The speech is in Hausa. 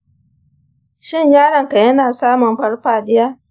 shin yaronka yana samun farfaɗiya?